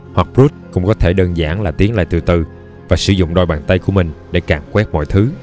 hoặc brute cũng có thể đơn giản là tiến lại từ từ và sử dụng đôi bàn tay của mình để càn quét mọi thứ